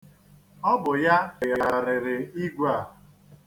Ọ bụ ya hịgharịrị igwè a.